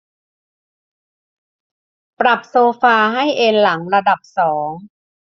ปรับโซฟาให้เอนหลังระดับสอง